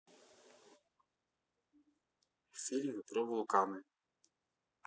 фильмы про вулканы